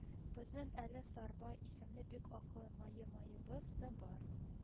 Безнең әле Сарбай исемле бик акыллы маэмаебыз да бар